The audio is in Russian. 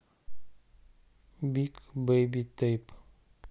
биг бейби тейп